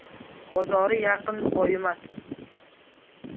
bozori yaqin boyimas